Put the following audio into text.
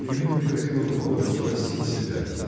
Ему не приходило в голову спросить себя